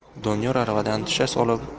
doniyor aravadan tusha